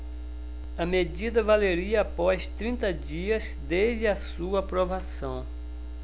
a medida valeria após trinta dias desde a sua aprovação